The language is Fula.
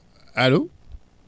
allo